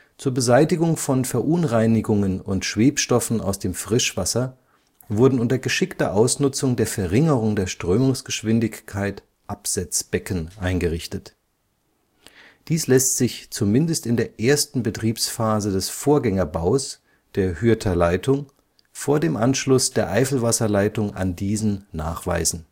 Zur Beseitigung von Verunreinigungen und Schwebstoffen aus dem Frischwasser wurden unter geschickter Ausnutzung der Verringerung der Strömungsgeschwindigkeit Absetzbecken eingesetzt. Dies lässt sich zumindest in der ersten Betriebsphase des Vorgängerbaues, der Hürther Leitung, vor dem Anschluss der Eifelwasserleitung an diesen nachweisen